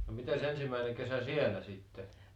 no mitenkäs ensimmäinen kesä siellä sitten